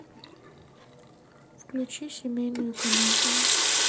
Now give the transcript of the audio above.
включи семейную комедию